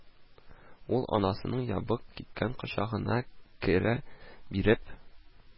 Ул анасының ябык, кипкән кочагына керә биреп: